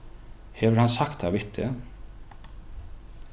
hevur hann sagt tað við teg